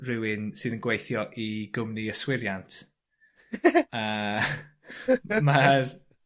rhywun sydd yn gweithio i gwmni yswiriant... ...yy ma'r